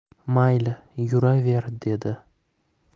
mayli yuraver dedi